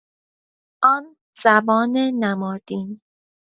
آن زبان نمادین